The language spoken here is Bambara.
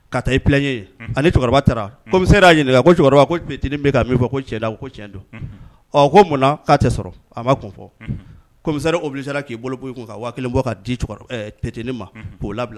Ka taa i p ani cɛkɔrɔba taara y'a ɲini ti bɛ min fɔ cɛ ko cɛn don ɔ ko munna k'a tɛ sɔrɔ a ma kun fɔmi o bilisi k'i bolo bɔ ka ditinin ma k'o labila